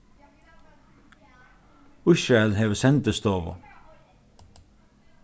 ísrael hevur sendistovu